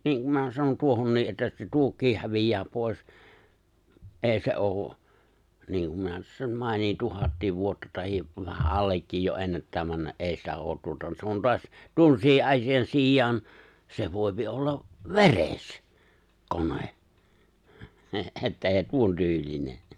niin kun minä sanon tuohonkin että se tuokin häviää pois ei se ole niin kuin minä sen mainitsin tuhat vuotta tai vähän allekin jo ennättää mennä ei sitä ole tuota se on taas tuommoisia asian sijaan se voi olla veres kone että ei tuontyylinen